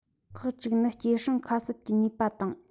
ཁག ཅིག ནི སྐྱེ སྲིང ཁ གསབ ཀྱི ནུས པ དང